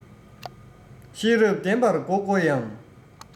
ཤེས རབ ལྡན པ མགོ བསྐོར ཡང